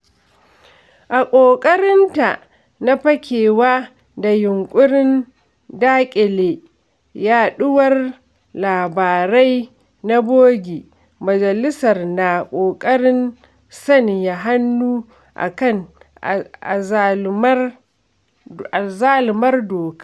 A ƙoƙarinta na fakewa da yunƙurin daƙile yaɗuwar labarai na bogi, Majalisar na ƙoƙarin sanya hannu a kan azalumar dokar.